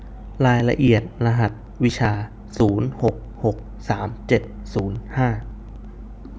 รายละเอียดรหัสวิชาศูนย์หกหกสามเจ็ดศูนย์ห้า